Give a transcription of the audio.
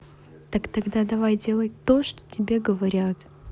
так тогда давай делать то что тебе говорят